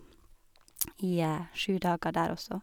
I sju dager der også.